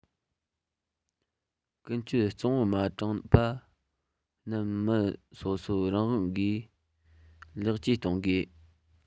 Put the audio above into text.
ཀུན སྤྱོད རྩིང པོ མ དྲངས པ རྣམས མི སོ སོ རང གིས ལེགས བཅོས གཏོང དགོས